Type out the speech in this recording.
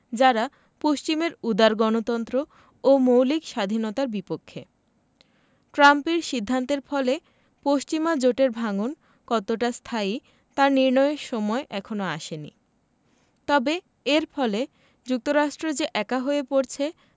যারা পশ্চিমের উদার গণতন্ত্র ও মৌলিক স্বাধীনতার বিপক্ষে ট্রাম্পের সিদ্ধান্তের ফলে পশ্চিমা জোটের ভাঙন কতটা স্থায়ী তা নির্ণয়ের সময় এখনো আসেনি তবে এর ফলে যুক্তরাষ্ট্র যে একা হয়ে পড়ছে